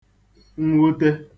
mwute